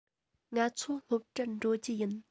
ང ཚོ སློབ གྲྭར འགྲོ རྒྱུ ཡིན